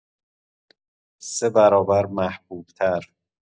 ۳ برابر محبوب‌تر